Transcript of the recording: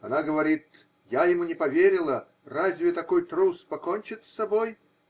Она говорит: "Я ему не поверила -- разве такой трус покончит с собой?